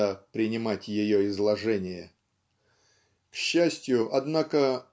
)) надо принимать ее изложение. К счастью однако